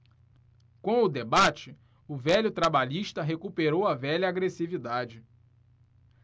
com o debate o velho trabalhista recuperou a velha agressividade